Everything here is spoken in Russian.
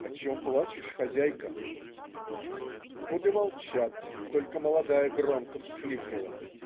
"О чем плачешь, хозяйка?" - Обе молчат, только молодая громко всхлипнула.